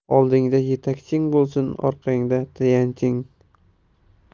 oldingda yetakching bo'lsin orqangda tayanching